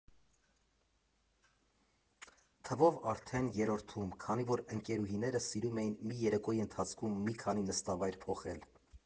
Թվով արդեն երրորդում, քանի որ ընկերուհիները սիրում էին մի երեկոյի ընթացքում մի քանի նստավայր փոխել։